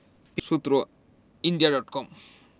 সূত্র India dot কম